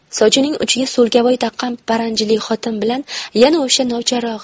sochining uchiga so'lkavoy taqqan paranjili xotin bilan yana o'sha novcharog'i